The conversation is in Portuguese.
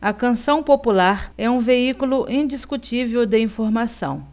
a canção popular é um veículo indiscutível de informação